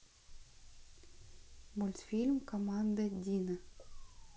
мультфильм команда дино